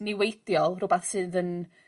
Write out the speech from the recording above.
niweidiol rwbath sydd yn